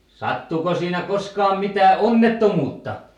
sattuiko siinä koskaan mitään onnettomuutta